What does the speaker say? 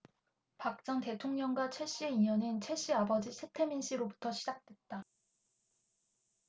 박 전 대통령과 최씨의 인연은 최씨 아버지 최태민씨로부터 시작됐다